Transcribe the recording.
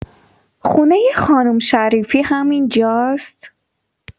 خونۀ خانم شریفی همین‌جاست؟